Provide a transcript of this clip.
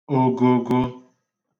ogogo